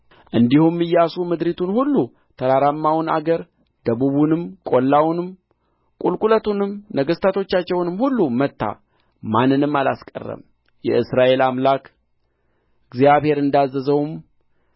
እንዲሁም ኢያሱ ምድሪቱን ሁሉ ተራራማውን አገር ደቡቡንም ቈላውንም ቍልቍለቱንም ነገሥታቶቻቸውንም ሁሉ መታ ማንንም አላስቀረም የእስራኤል አምላክ እግዚአብሔር እንዳዘዘውም